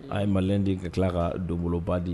A ye malɛn de ka tila ka donba di ye